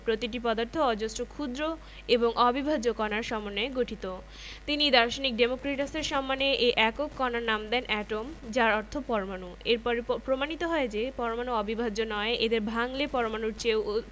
প্রতিটি পদার্থ অজস্র ক্ষুদ্র এবং অবিভাজ্য কণার সমন্বয়ে গঠিত তিনি দার্শনিক ডেমোক্রিটাসের সম্মানে এ একক কণার নাম দেন এটম যার অর্থ পরমাণু এর পরে প্রমাণিত হয় যে পরমাণু অবিভাজ্য নয় এদের ভাঙলে পরমাণুর চেয়েও